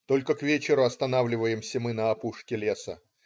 Только к вечеру останавливаемся мы на опушке леса.